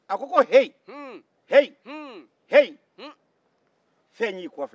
a ko heyi heyi heyi fɛn in y'i kɔfilɛ